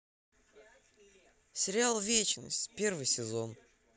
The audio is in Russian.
сериал вечность первый сезон